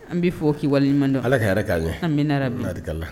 An b bɛ fɔ kiba wale man don ala ka yɛrɛ k'a la an bɛna bila